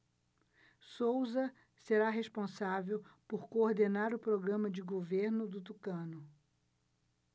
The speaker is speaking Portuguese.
souza será responsável por coordenar o programa de governo do tucano